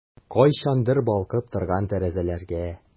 Кайчандыр балкып торган тәрәзәләргә...